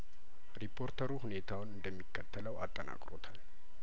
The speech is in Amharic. ሪፖርተሩ ሁኔታውን እንደሚከተለው አጠናቅ ሮታል